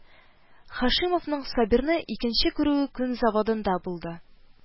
Һашимовның Сабирны икенче күрүе күн заводында булды